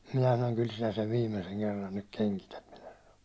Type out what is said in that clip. minä sanoin kyllä sinä sen viimeisen kerran nyt kengität minä sanoin